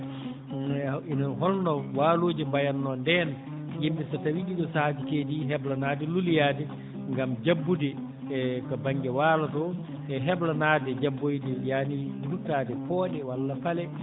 holno waalooji mbayatnoo ndeen yimɓe so tawii ɗii ɗoo sahaaji keedii heɓlanaade luloyaade ngam jabbude e to baŋnge waalo to e heɓlanaade jabboyde yaani duttaade pooɗe walla pale